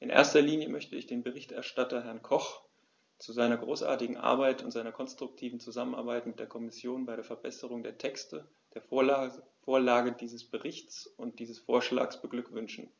In erster Linie möchte ich den Berichterstatter, Herrn Koch, zu seiner großartigen Arbeit und seiner konstruktiven Zusammenarbeit mit der Kommission bei der Verbesserung der Texte, der Vorlage dieses Berichts und dieses Vorschlags beglückwünschen;